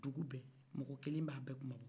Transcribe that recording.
dugu bɛɛ mɔgɔ kelen b'a bɛɛ kunmabɔ